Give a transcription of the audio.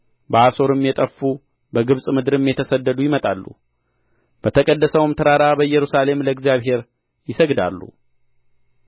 በአሦርም የጠፉ በግብጽ ምድርም የተሰደዱ ይመጣሉ በተቀደሰውም ተራራ በኢየሩሳሌም ለእግዚአብሔር ይሰግዳሉ